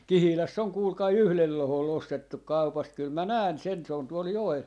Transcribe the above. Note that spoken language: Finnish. Kihilässä on kuulkaa yhdellä lohkolla ostettu kaupasta kyllä minä näen sen se on tuolla joella